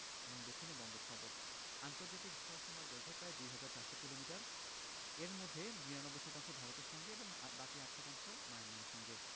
এবং দক্ষিণে বঙ্গোপসাগর আন্তর্জাতিক স্থলসীমার দৈর্ঘ্য প্রায় ২হাজার ৪০০ কিলোমিটার এর মধ্যে ৯২ শতাংশ ভারতের সঙ্গে এবং বাকি ৮ শতাংশ মায়ানমারের সঙ্গে